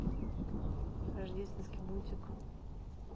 рождественский мультик